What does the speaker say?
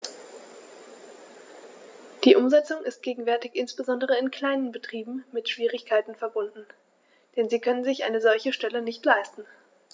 Die Umsetzung ist gegenwärtig insbesondere in kleinen Betrieben mit Schwierigkeiten verbunden, denn sie können sich eine solche Stelle nicht leisten.